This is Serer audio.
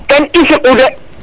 ten i saku de